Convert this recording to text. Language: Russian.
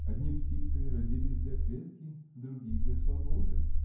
Одни птицы родились для клетки, а другие для свободы.